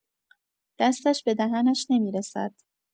دستش به دهنش نمی‌رسد